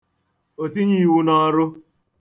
òtinyeīwūnọ̄rụ̄